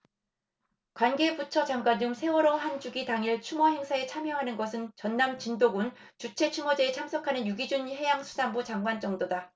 관계 부처 장관 중 세월호 한 주기 당일 추모 행사에 참여하는 것은 전남 진도군 주최 추모제에 참석하는 유기준 해양수산부 장관 정도다